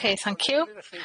Ok thank you.